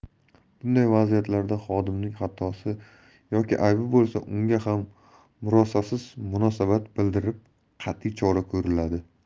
bunday vaziyatlarda xodimning xatosi yoki aybi bo'lsa unga ham murosasiz munosabat bildirib qa'tiy chora ko'riladi